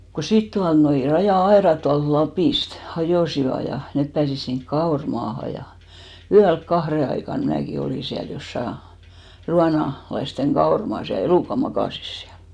kun sitten tuolla noin raja-aidat tuolta Lapista hajosivat ja ne pääsi sinne kauramaahan ja yöllä kahden aikaan minäkin olin siellä jossakin - ruonalaisten kauramaassa ja elukat makasivat siellä